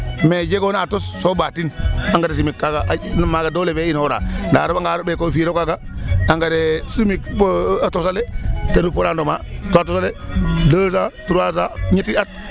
Me jegoona a tos so ɓatin engtrais chimique kaaga maaga doole fe inooraa, ndaa a refanga kaa soɓ ee fi'iro kaaga engrais chimique bo a tos aale ten xupu rendement to a tos ale deux ans trois ans ñetti at bo ñeeti at kaa refaa maaga.